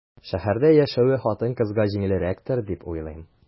Шәһәрдә яшәве хатын-кызга җиңелрәктер дип уйлыйм.